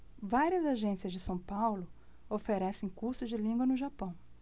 várias agências de são paulo oferecem cursos de língua no japão